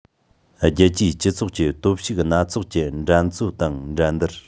རྒྱལ སྤྱིའི སྤྱི ཚོགས ཀྱི སྟོབས ཤུགས སྣ ཚོགས ཀྱི འགྲན རྩོད དང འགྲན བསྡུར